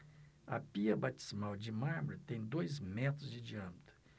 a pia batismal de mármore tem dois metros de diâmetro